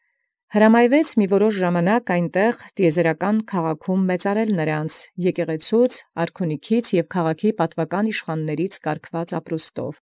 Հրամայեալ լինէր ժամանակս ինչ անդէն ի տիեզերական քաղաքին մեծարել դարմանաւք կարգելովք յեկեղեցւոյն և յարքունեաց և ի պատուական իշխանաց քաղաքին։